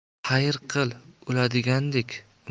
xayr qil o'ladigandek